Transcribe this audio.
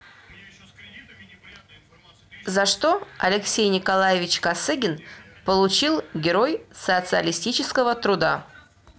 за что алексей николаевич косыгин получил герой социалистического труда